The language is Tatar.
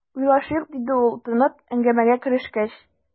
"уйлашыйк", - диде ул, тынып, әңгәмәгә керешкәч.